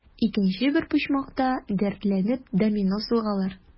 Икенче бер почмакта, дәртләнеп, домино сугалар.